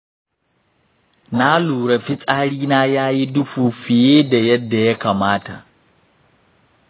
na lura fitsari na yayi duhu fiye da yanda yakamata.